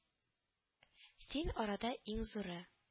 Син арада иң зуры